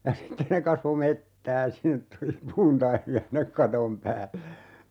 ja sitten ne kasvoi metsää sinne tuli puuntaimia sinne katon päälle